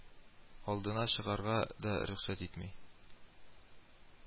Алдына чыгарга да рөхсәт итми